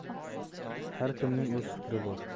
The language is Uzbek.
har kimning o'z fikri bor